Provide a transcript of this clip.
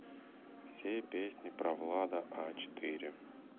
все песни про влада а четыре